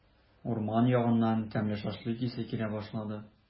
Урман ягыннан тәмле шашлык исе килә башлады.